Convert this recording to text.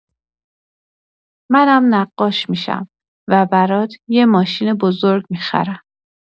منم نقاش می‌شم و برات یه ماشین بزرگ می‌خرم.